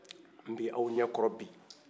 n bi aw ɲɛkɔrɔ bi